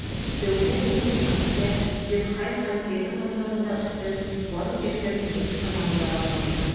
Өстәвенә, мин Германиядә, Бергхайм һәм Кельн урамнарында үстем, барлык яшьтәге немец командалары аша уздым.